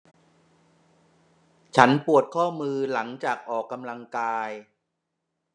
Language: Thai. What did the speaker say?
ฉันปวดข้อมือหนังจากออกกำลังกาย